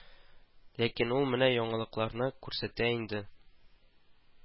Ләкин ул менә яңалыкларны күрсәтә инде